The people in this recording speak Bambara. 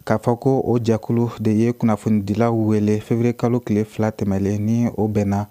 K'a fɔ ko o jakulu de ye kunnafonidilaw wele feere kalo tile fila tɛmɛnen ni ye o bɛnna